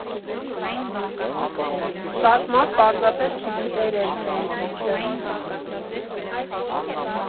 Շատ մարդ պարզապես չգիտեր էլ, թե էդ ինչ է։